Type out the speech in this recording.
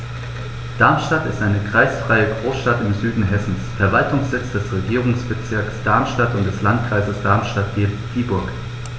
Darmstadt ist eine kreisfreie Großstadt im Süden Hessens, Verwaltungssitz des Regierungsbezirks Darmstadt und des Landkreises Darmstadt-Dieburg.